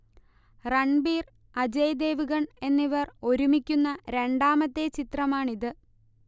രൺബീർ അജയ് ദേവ്ഗൺ എന്നിവർ ഒരുമിക്കുന്ന രണ്ടാമത്തെ ചിത്രമാണിത്